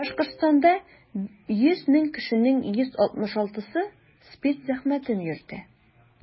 Башкортстанда 100 мең кешенең 166-сы СПИД зәхмәтен йөртә.